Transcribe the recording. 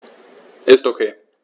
Ist OK.